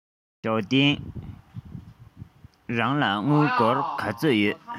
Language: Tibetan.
ཞའོ ཏིང རང ལ དངུལ སྒོར ག ཚོད ཡོད